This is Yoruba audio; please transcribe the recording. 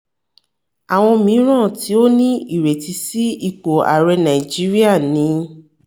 Àwọn mìíràn tí ó ní ìrètí sí ipò ààrẹ Nàìjíríà ni: